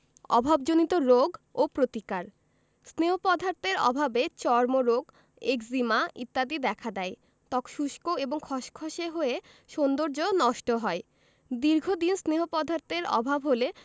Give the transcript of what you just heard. অভাবজনিত রোগ ও প্রতিকার স্নেহ পদার্থের অভাবে চর্মরোগ একজিমা ইত্যাদি দেখা দেয় ত্বক শুষ্ক এবং খসখসে হয়ে সৌন্দর্য নষ্ট হয় দীর্ঘদিন স্নেহ পদার্থের অভাব হলে